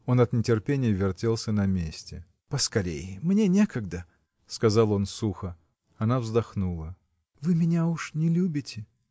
Он от нетерпения вертелся на месте. – Поскорей! мне некогда! – сказал он сухо. Она вздохнула. – Вы меня уж не любите?